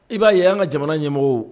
I b'a ye an ka jamana ɲɛmɔgɔ